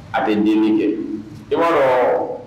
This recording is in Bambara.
A tɛ denini kɛ i m'a dɔn